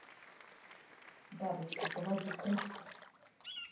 бабочки помоги крыске